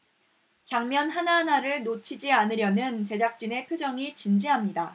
장면 하나하나를 놓치지 않으려는 제작진의 표정이 진지합니다